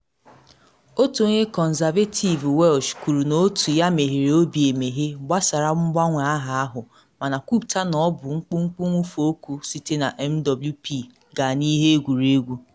Otu onye Kọnzavetiv Welsh kwuru na otu ya “meghere obi emeghe” gbasara mgbanwe aha ahụ, mana kwupụta na ọ bụ mkpumkpu nwụfe okwu site na MWP gaa na Ihe Egwuregwu.